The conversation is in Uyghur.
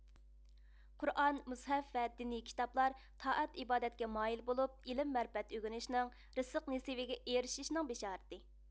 قۇرئان مۇسھەف ۋە دىنىي كىتابلار تائەت ئىبادەتكە مايىل بولۇپ ئىلىم مەرىپەت ئۆگىنىشنىڭ رىزىق نېسىۋىگە ئېرىشىشنىڭ بېشارىتى